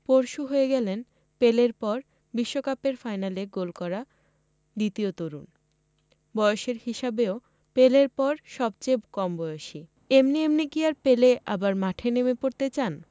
পরশু হয়ে গেলেন পেলের পর বিশ্বকাপের ফাইনালে গোল করা দ্বিতীয় তরুণ বয়সের হিসাবেও পেলের পর সবচেয়ে কম বয়সী এমনি এমনি কি আর পেলে আবার মাঠে নেমে পড়তে চান